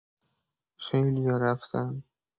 خیلیا رفتن.